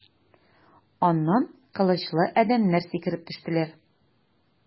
Аннан кылычлы адәмнәр сикереп төштеләр.